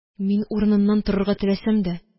Мин, урынымнан торырга теләсәм дә